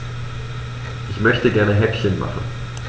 Ich möchte gerne Häppchen machen.